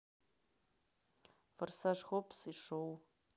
форсаж хопс и шоу